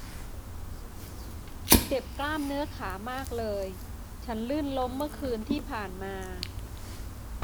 เจ็บกล้ามเนื้อขามากเลยฉันลื่นล้มเมื่อคืนที่ผ่านมา